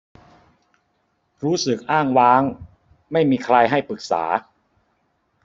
รู้สึกอ้างว้างไม่มีใครให้ปรึกษา